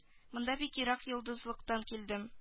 Монда бик ерак йолдызлыктан килдем